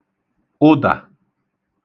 ụdà